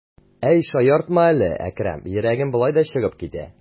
Әй, шаяртма әле, Әкрәм, йөрәгем болай да чыгып килә.